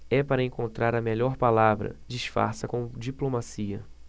é para encontrar a melhor palavra disfarça com diplomacia